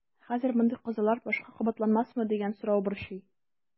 Хәзер мондый казалар башка кабатланмасмы дигән сорау борчый.